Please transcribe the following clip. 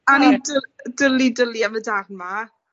A o'n i'n dw- dwli dwli am y darn 'ma.